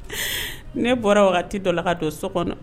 Ne bɔra wagati dɔ la ka don so kɔnɔ